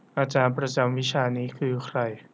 อาจารย์ประจำวิชานี้คือใคร